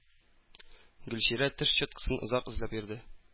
Гөлчирә теш щеткасын озак эзләп йөрде.